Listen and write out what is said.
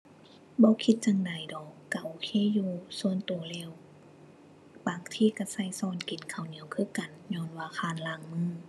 บ่คิดจั่งใดดอก ก็โอเคอยู่ ส่วนก็แล้ว บางทีก็ก็ก็กินข้าวเหนียวคือกัน ญ้อนว่าคร้านล้างมือ